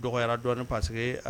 Dɔgɔyara dɔɔnin paseke